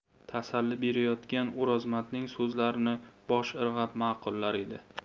tasalli berayotgan o'rozmatning so'zlarini bosh irg'ab ma'qullar edi